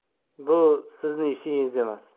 bu sizning ishingiz emas